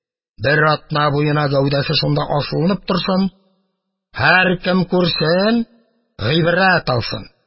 Бер атна буена гәүдәсе шунда асылынып торсын, һәркем күрсен, гыйбрәт алсын.